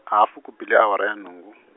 hafu ku bile awara ya nhungu.